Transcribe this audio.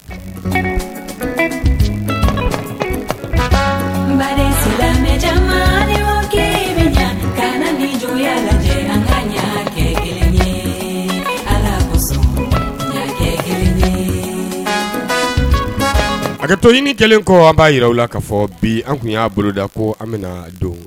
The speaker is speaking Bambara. A kɛ to ɲini kelen kɔ an b'a jira u la k ka fɔ bi an tun y aa boloda ko an bɛna don